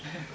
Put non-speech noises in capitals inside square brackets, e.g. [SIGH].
[HESITATION] [HESITATION]